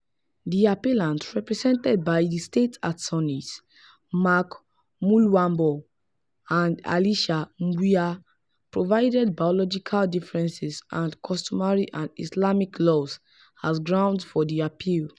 The appellant, represented by principal state attorneys, Mark Mulwambo and Alesia Mbuya, provided biological differences and customary and Islamic laws as grounds for the appeal.